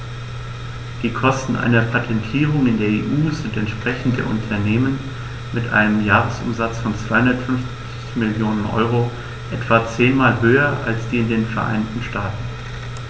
Die Kosten einer Patentierung in der EU sind, entsprechend der Unternehmen mit einem Jahresumsatz von 250 Mio. EUR, etwa zehnmal höher als in den Vereinigten Staaten.